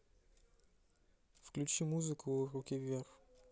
включи музыку руки вверх